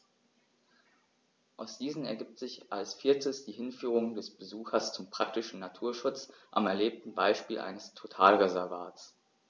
Aus diesen ergibt sich als viertes die Hinführung des Besuchers zum praktischen Naturschutz am erlebten Beispiel eines Totalreservats.